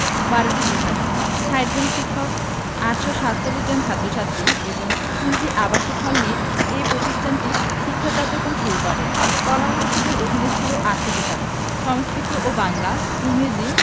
১২টি বিভাগ ৬০ জন শিক্ষক ৮৪৭ জন ছাত্র ছাত্রী এবং ৩টি আবাসিক হল নিয়ে এ প্রতিষ্ঠানটি শিক্ষা কার্যক্রম শুরু করে কলা অনুষদের অধীনে ছিল ৮টি বিভাগ সংস্কৃত ও বাংলা ইংরেজি